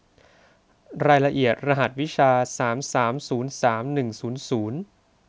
รายละเอียดรหัสวิชาสามสามศูนย์สามหนึ่งศูนย์ศูนย์